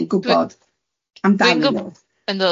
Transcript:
neu'n gwbod amdanyn nw.